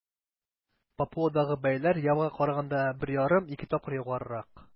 Папуадагы бәяләр Явага караганда 1,5-2 тапкыр югарырак.